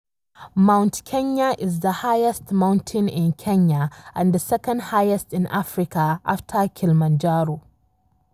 Mount Kenya is the highest mountain in Kenya and the second highest in Africa, after Kilimanjaro.